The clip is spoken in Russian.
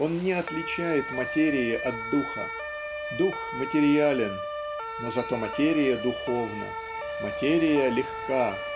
он не отличает материи от духа, дух материален но зато материя духовна материя легка